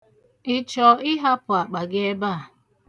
Ị chọ ịhapụ akpa ebe a?